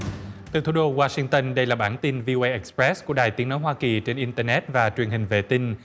từ thủ đô goa sinh tơn đây là bản tin vi ô ây ịch boét của đài tiếng nói hoa kỳ trên in tơ nét và truyền hình vệ tinh